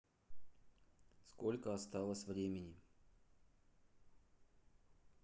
сколько осталось времени